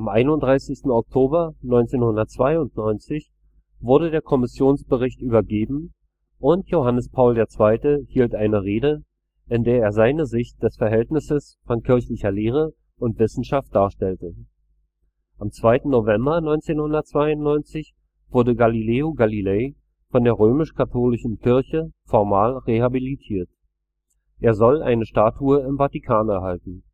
31. Oktober 1992 wurde der Kommissionsbericht übergeben, und Johannes Paul II. hielt eine Rede, in der er seine Sicht des Verhältnisses von kirchlicher Lehre und Wissenschaft darstellte. Am 2. November 1992 wurde Galileo Galilei von der römisch-katholischen Kirche formal rehabilitiert. Er soll eine Statue im Vatikan erhalten